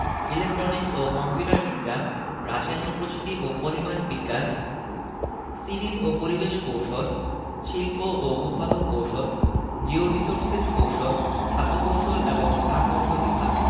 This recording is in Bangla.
ইলেকট্রনিক্স ও কম্পিউটার বিজ্ঞান রাসায়নিক প্রযুক্তি ও পলিমার বিজ্ঞান সিভিল ও পরিবেশ কৌশল শিল্প ও উৎপাদন কৌশল জিওরির্সোসেস কৌশল খাদ্য কৌশল এবং চা কৌশল বিভাগ